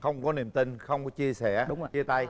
không có niềm tin không chia sẻ chia tay